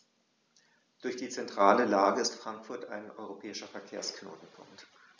Durch die zentrale Lage ist Frankfurt ein europäischer Verkehrsknotenpunkt.